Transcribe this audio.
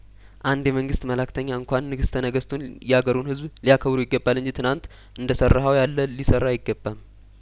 አንድ የመንግስት መላክተኛ እንኳን ንግስተነገስቱን ያገሩን ህዝብ ሊያከብሩ ይገባል እንጂ ትናንት እንደሰራኸው ያለ ሊሰራ አይገባም